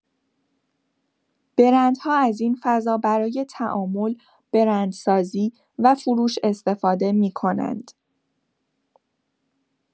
برندها از این فضا برای تعامل، برندسازی و فروش استفاده می‌کنند.